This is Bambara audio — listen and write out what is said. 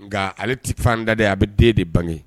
Nka ale tɛ fan da de a bɛ den de bange